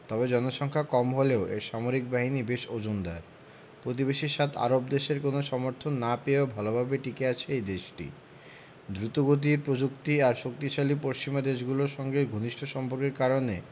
তবে জনসংখ্যা কম হলেও এর সামরিক বাহিনী বেশ ওজনদার প্রতিবেশী সাত আরব দেশের কোনো সমর্থন না পেয়েও ভালোভাবেই টিকে আছে দেশটি দ্রুতগতির প্রযুক্তি আর শক্তিশালী পশ্চিমা দেশগুলোর সঙ্গে ঘনিষ্ঠ সম্পর্কের কারণে